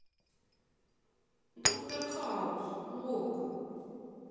доктор хаус в окко